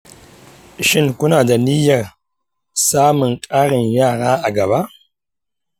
shin kuna da niyyar samun ƙarin yara a gaba?